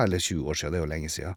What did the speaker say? Eller, tjue år sia, det er jo lenge sia.